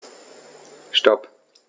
Stop.